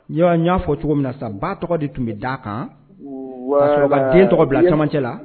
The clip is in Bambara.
Y'a fɔ cogo min na san ba tɔgɔ de tun bɛ d a kan sɔrɔ den tɔgɔ bila camancɛ la